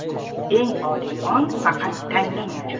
eng oliy ong faqat tangda mavjud